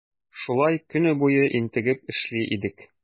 Шулай көне буе интегеп эшли идек.